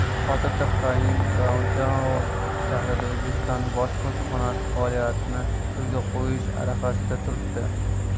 hozirda xitoyning guanchjou shahrida o'zbekiston bosh konsulxonasi faoliyatini yo'lga qo'yish arafasida turibdi